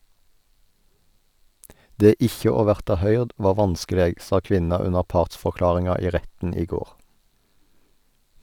Det ikkje å verta høyrd var vanskeleg, sa kvinna under partsforklaringa i retten i går.